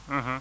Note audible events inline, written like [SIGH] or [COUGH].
[HESITATION] [HESITATION]